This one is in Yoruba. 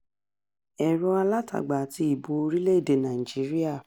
Ẹ̀rọ-alátagbà àti ìbò orílẹ̀-èdè Nàìjíríà